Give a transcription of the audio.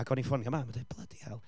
ac o'n i'n ffonio mam a deud, bloody hell,